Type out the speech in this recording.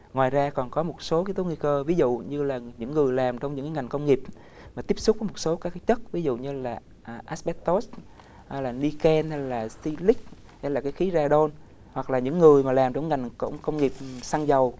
ngoài ra còn có một số yếu tố nguy cơ ví dụ như là những người làm trong những ngành công nghiệp mà tiếp xúc với một số các chất ví dụ như là át bét tốt a là ni cen hay là si lích hay là cái khí ra đôn hoặc là những người mà làm trong ngành cụm công nghiệp xăng dầu